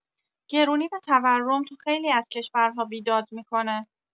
گرونی و تورم تو خیلی از کشورها بیداد می‌کنه.